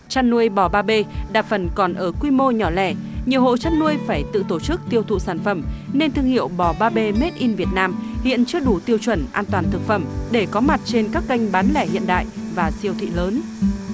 chăn nuôi bò ba bê đa phần còn ở quy mô nhỏ lẻ nhiều hộ chăn nuôi phải tự tổ chức tiêu thụ sản phẩm nên thương hiệu bò ba bê mết in việt nam hiện chưa đủ tiêu chuẩn an toàn thực phẩm để có mặt trên các kênh bán lẻ hiện đại và siêu thị lớn